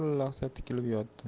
lahza tikilib yotdi